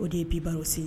O de ye bi baro sen ye.